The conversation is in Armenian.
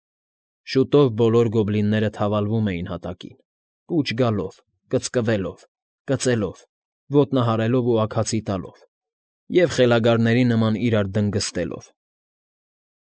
Շուտով բոլոր գոբլինները թավալվում էին հատակին, կուչ գալով, կծկվելով, կծելով, ոտնահարելով ու աքացի տալով և խելագարների նման իրար դնգստելով։